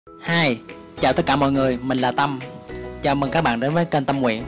hi chào tất cả mọi người mình là tâm chào mừng các bạn đến với kênh tâm nguyễn